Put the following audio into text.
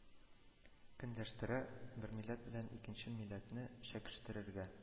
Кенләштерә, бер милләт белән икенче милләтне чәкештерергә